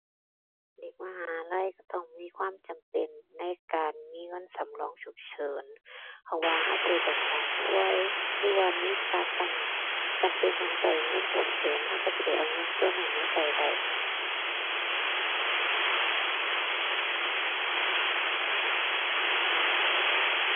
เด็กมหาลัยก็ต้องมีความจำเป็นในการมีเงินสำรองฉุกเฉิน เพราะว่าห่าเทื่อเจ้าของป่วยหรือว่ามีการจำ จำเป็นต้องก็เงินฉุกเฉิน ก็ก็สิได้เอาเงินส่วนนั้นมาก็ได้